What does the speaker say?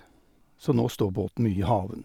Så nå står båten mye i haven.